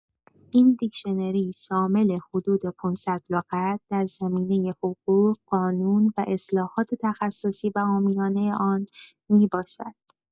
این دیکشنری شامل حدود ۵۰۰ لغت در زمینه حقوق، قانون و اصلاحات تخصصی و عامیانه آن می‌باشد.